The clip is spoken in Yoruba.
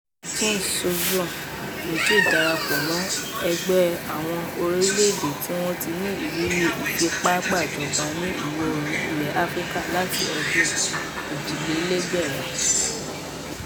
Jean Sovon (JS): Niger darapọ̀ mọ́ ẹgbẹ́ àwọn orílẹ̀-èdè tí wọ́n ti ní ìrírí ìfipágbàjọba ní Ìwọ̀-oòrùn ilẹ̀ Áfíríkà láti ọdún 2020.